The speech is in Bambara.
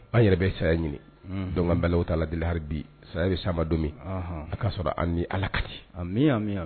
An yɛrɛ bɛ saya ɲini dɔn bala ta laeliha bi saya bɛ saba don min a'a sɔrɔ a ni ala kadi